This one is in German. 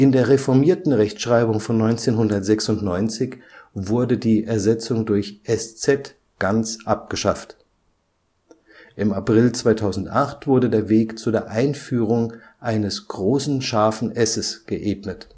der reformierten Rechtschreibung von 1996 wurde die Ersetzung durch „ SZ “ganz abgeschafft. Im April 2008 wurde der Weg zu der Einführung eines ß-Großbuchstaben geebnet